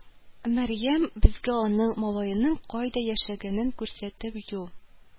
Мәрьям безгә аның малаеның кайда яшәгәнен күрсәтеп юл